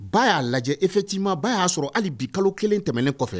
Ba y'a lajɛ efetiima ba y'a sɔrɔ hali bi kalo kelen tɛmɛnen kɔfɛ